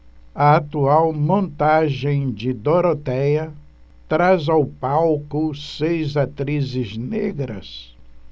a atual montagem de dorotéia traz ao palco seis atrizes negras